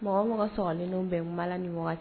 Mɔgɔ sɔrɔlen bɛ ni